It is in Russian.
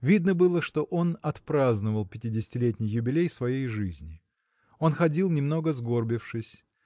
Видно было, что он отпраздновал пятидесятилетний юбилей своей жизни. Он ходил немного сгорбившись.